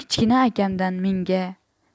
kichkina akamdan menga